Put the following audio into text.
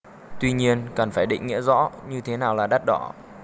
tuy nhiên cần phải định nghĩa rõ như thế nào là đắt đỏ